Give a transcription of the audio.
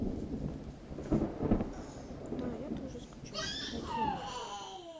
да я тоже скучал найди мне